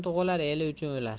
tug'ilar eli uchun o'lar